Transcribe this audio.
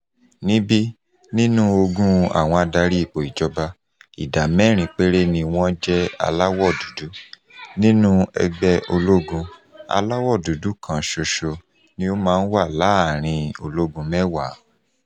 Níbí, nínú ogún àwọn adarí ipò ìjọba, ìdá mẹ́rin péré ni wọ́n jẹ́ aláwọ̀ dúdú. Nínú ẹgbẹ́ ológun, aláwọ̀ dúdú kan ṣoṣo ni ó máa ń wà láàárín ológun mẹ́wàá.